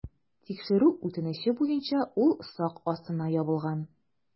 Тикшерү үтенече буенча ул сак астына ябылган.